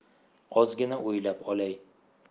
ozgina o'ylab olay